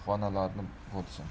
xo nalari bo'lsin